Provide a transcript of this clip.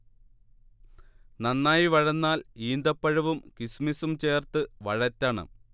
നന്നായി വഴന്നാൽ ഈന്തപ്പഴവും കിസ്മിസും ചേർത്തു വഴറ്റണം